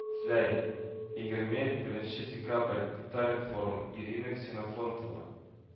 Зәй, егерме беренче декабрь, Татар информ, Ирина Ксенофонтова